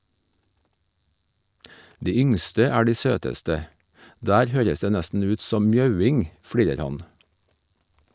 De yngste er de søteste , der høres det nesten ut som mjauing, flirer han.